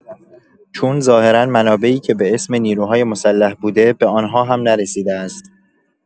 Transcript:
چون ظاهرا منابعی که به اسم نیروهای مسلح بوده، به آنها هم نرسیده است.